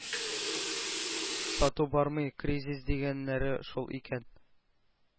Сату бармый. Кризис дигәннәре шул икән.